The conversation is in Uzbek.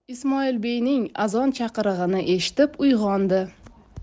ismoilbeyning azon chaqirig'ini eshitib uyg'ondi